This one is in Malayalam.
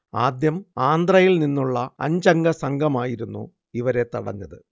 ആദ്യം ആന്ധ്രയിൽ നിന്നുള്ള അഞ്ചംഗ സംഘമായിരുന്നു ഇവരെ തടഞ്ഞത്